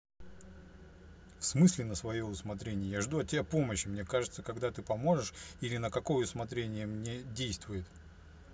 в смысле на свое усмотрение я жду от тебя помощи мне ждать когда ты поможешь или на какое усмотрение мне действует